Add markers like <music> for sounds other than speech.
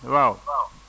waaw <noise>